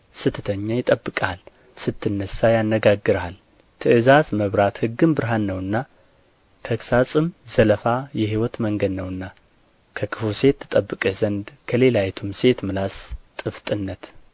ስትተኛ ይጠብቅሃል ስትነሣ ያነጋግርሃል ትእዛዝ መብራት ሕግም ብርሃን ነውና የተግሣጽም ዘለፋ የሕይወት መንገድ ነውና ከክፉ ሴት ትጠብቅህ ዘንድ ከሌላይቱም ሴት ምላስ ጥፍጥነት